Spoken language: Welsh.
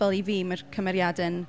Fel i fi, mae'r cymeriadau'n...